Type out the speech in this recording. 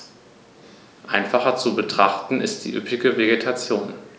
Einfacher zu betrachten ist die üppige Vegetation.